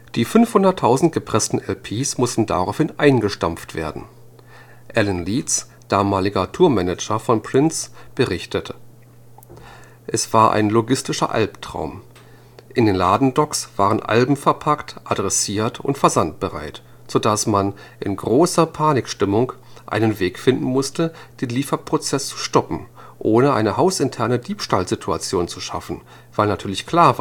Die 500.000 gepressten LPs mussten daraufhin eingestrampft werden. Alan Leeds, damaliger Tourmanager von Prince, berichtete: „ Es war ein logistischer Albtraum. In den Ladedocks waren Alben verpackt, adressiert und versandbereit, sodass man in großer Panikstimmung einen Weg finden musste, den Lieferprozess zu stoppen, ohne eine hausinterne Diebstahlsituation zu schaffen, weil natürlich klar